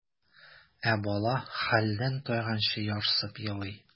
Ә бала хәлдән тайганчы ярсып елый.